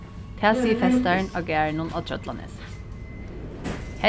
tað sigur festarin á garðinum á trøllanesi